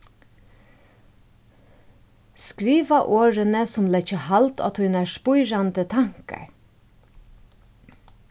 skriva orðini sum leggja hald á tínar spírandi tankar